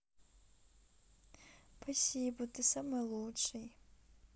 спасибо ты самый лучший